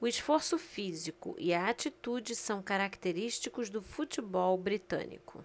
o esforço físico e a atitude são característicos do futebol britânico